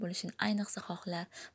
bo'lishini ayniqsa xohlar